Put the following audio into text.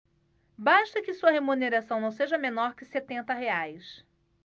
basta que sua remuneração não seja menor que setenta reais